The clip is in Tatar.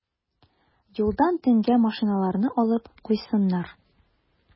Юлдан төнгә машиналарны алып куйсыннар.